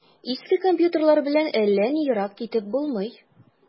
Иске компьютерлар белән әллә ни ерак китеп булмый.